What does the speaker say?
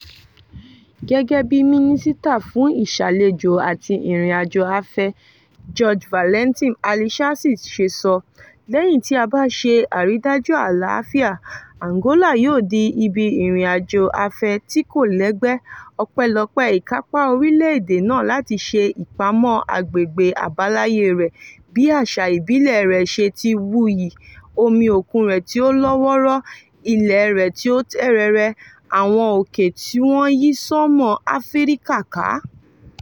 Gẹ́gẹ́ bí Mínísítà fún Ìṣàlejò àti Ìrìn-àjò Afẹ́, Jorge Valentim Alicerces ṣe sọ, "lẹ́yìn tí a bá ṣe àrídájú àlàáfíà, Angola yóò di ibi ìrìn-àjò afẹ́ tí kò lẹ́gbẹ́ ọpẹ́lọpẹ́ ìkápá orílẹ̀-èdè náà láti ṣe ìpamọ́ agbègbè àbáláyé rẹ̀, bí àṣà ìbílẹ̀ rẹ̀ ṣe ti wuyì, omi òkun rẹ̀ tí ó lọ́ wọ́ọ́rọ́, ilẹ̀ rẹ̀ tí ó tẹ́ rẹrẹ, àwọn òkè tí wọ́n yí sánmọ̀ Áfíríkà ká.